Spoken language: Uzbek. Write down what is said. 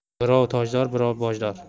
birov tojdor birov bojdor